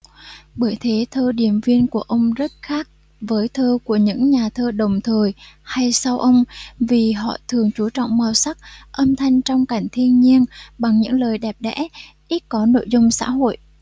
bởi thế thơ điền viên của ông rất khác với thơ của những nhà thơ đồng thời hay sau ông vì họ thường chú trọng màu sắc âm thanh trong cảnh thiên nhiên bằng những lời đẹp đẽ ít có nội dung xã hội